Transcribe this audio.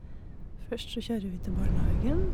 Først så kjører vi til barnehagen.